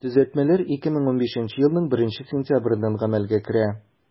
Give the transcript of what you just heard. Төзәтмәләр 2015 елның 1 сентябреннән гамәлгә керә.